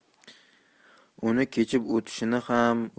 uni kechib o'tishini ham